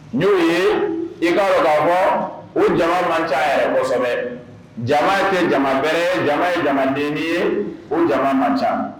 N'o ye i karɔgabɔ u jama man ca yɛrɛ jama kɛ jama bɛɛ ye jama ye jamanaden ye u jama man ca